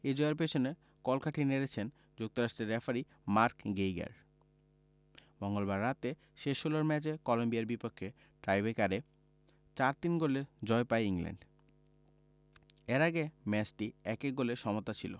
এই জয়ের পেছনে কলকাঠি নেড়েছেন যুক্তরাষ্ট্রের রেফারি মার্ক গেইগার মঙ্গলবার রাতে শেষ ষোলোর ম্যাচে কলম্বিয়ার বিপক্ষে টাইব্রেকারে ৪ ৩ গোলে জয় পায় ইংল্যান্ড এর আগে ম্যাচটি ১ ১ গোলে সমতা ছিল